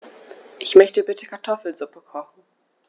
Ich möchte bitte Kartoffelsuppe kochen.